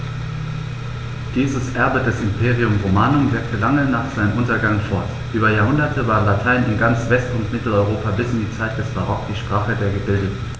Dieses Erbe des Imperium Romanum wirkte lange nach seinem Untergang fort: Über Jahrhunderte war Latein in ganz West- und Mitteleuropa bis in die Zeit des Barock die Sprache der Gebildeten.